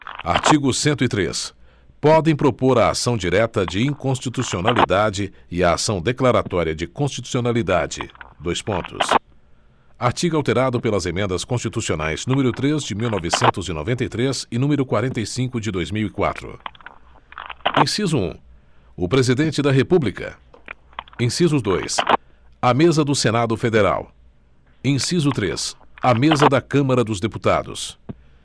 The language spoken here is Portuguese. artigo cento e três podem propor a ação direta de inconstitucionalidade e a ação declaratória de constitucionalidade dois pontos artigo alterado pelas emendas constitucionais número três de um mil novecentos e noventa e três e número quarenta e cinco de dois mil e quatro inciso um o presidente da república inciso dois a mesa do senado federal inciso três a mesa da câmara dos deputados